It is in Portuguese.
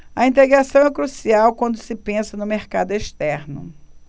a integração é crucial quando se pensa no mercado externo